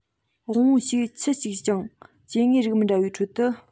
དབང པོ ཞིག ཁྱུ གཅིག ཅིང སྐྱེ དངོས རིགས མི འདྲ བའི ཁྲོད དུ